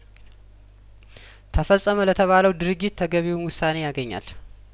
ተፈጸመ ለተባለው ድርጊት ተገቢውን ውሳኔ ያገኛል